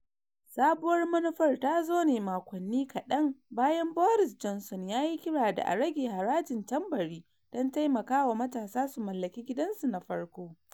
Sabuwar manufar ta zo ne makonni kaɗan bayan Boris Johnson ya yi kira da a rage harajin tambari don taimakawa matasa su mallaki gidansu na farko.